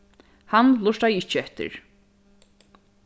hann lurtaði ikki eftir